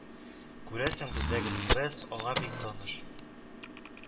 Күрәсең бездәге стресс, аңа бик таныш